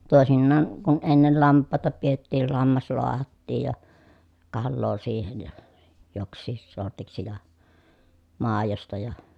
toisinaan kun ennen lampaita pidettiin lammas lahdattiin ja kalaa siihen ja joksikin sortiksi ja maidosta ja